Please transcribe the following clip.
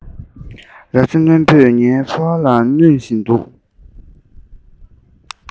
རྭ ཅོ རྣོན པོས ངའི ཕོ བ ལ བསྣུན བཞིན འདུག